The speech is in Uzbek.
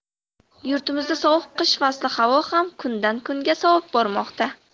yurtimizda sovuq qish fasli havo ham kundan kunga sovib bormoqda